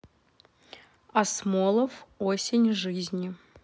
асмолов осень жизни